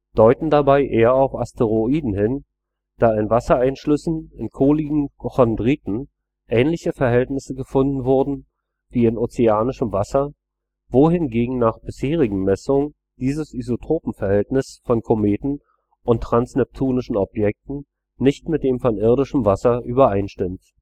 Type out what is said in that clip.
deuten dabei eher auf Asteroiden hin, da in Wassereinschlüssen in kohligen Chondriten ähnliche Verhältnisse gefunden wurden wie in ozeanischem Wasser, wohingegen nach bisherigen Messungen dieses Isotopen-Verhältnis von Kometen und transneptunischen Objekten nicht mit dem von irdischem Wasser übereinstimmt